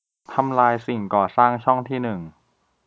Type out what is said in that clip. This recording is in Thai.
ทำลายสิ่งก่อสร้างช่องที่หนึ่ง